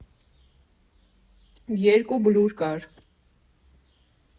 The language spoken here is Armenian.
Երկու բլուր կար.